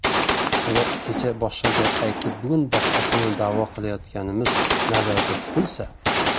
agar kecha boshqa gap aytib bugun boshqasini da'vo qilayotganimiz nazarda tutilsa